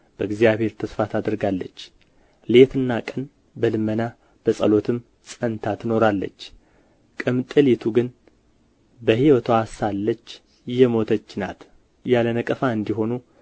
በእግዚአብሔር ተስፋ ታደርጋለች ሌትና ቀንም በልመና በጸሎትም ጸንታ ትኖራለች ቅምጥሊቱ ግን በሕይወትዋ ሳለች የሞተች ናት ያለ ነቀፋ እንዲሆኑ